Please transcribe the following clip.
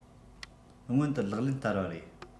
སྔོན དུ ལག ལེན བསྟར བ རེད